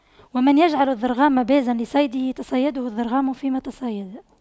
ومن يجعل الضرغام بازا لصيده تَصَيَّدَهُ الضرغام فيما تصيدا